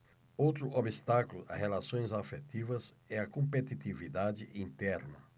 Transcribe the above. outro obstáculo às relações afetivas é a competitividade interna